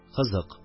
Кызык